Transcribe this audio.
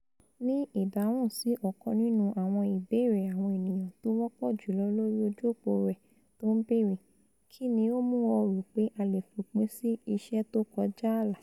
Ní ìdáhùn sí òkan nínú àwọn ìbéèrè àwọn ènìyàn tówọ́pọ̀ jùlọ lori ojú-òpó rẹ̀ tó ńbéèrè ''kínni ó mú ọ ropé a leè fòpin sí ìṣẹ́ tó kọjá àlà?''